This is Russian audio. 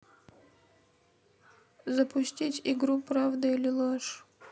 запусти игру правда или ложь